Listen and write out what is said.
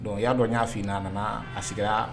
Dɔnku y'a dɔn y'a'' a nana a sigira